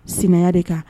Sɛnɛ de kan